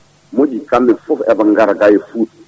moƴƴi kamɓe foof eɓe gara nga e Fouta